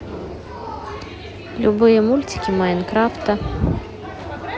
любые мультики майнкрафта